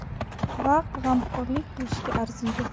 vaqt g'amxo'rlik qilishga arziydi